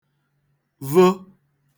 vo